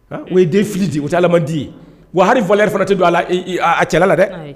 N ye den fili di taa ala di wa hali fre fana tɛ don a a cɛla la dɛ